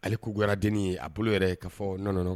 Ale kogoyara dennin ye a bolo yɛrɛ k'a fɔ non non non